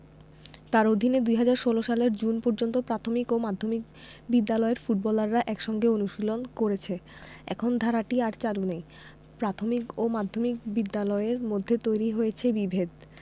তাঁর অধীনে ২০১৬ সালের জুন পর্যন্ত প্রাথমিক ও মাধ্যমিক বিদ্যালয়ের ফুটবলাররা একসঙ্গে অনুশীলন করেছে এখন ধারাটি আর চালু নেই প্রাথমিক ও মাধ্যমিক বিদ্যালয়ের মধ্যে তৈরি হয়েছে বিভেদ